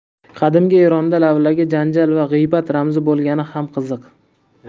qadimgi eronda lavlagi janjal va g'iybat ramzi bo'lgani ham qiziq